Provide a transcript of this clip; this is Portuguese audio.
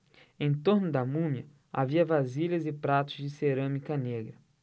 em torno da múmia havia vasilhas e pratos de cerâmica negra